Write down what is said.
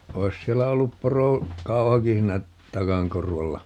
olisi siellä ollut - porokauhakin siinä takan korvalla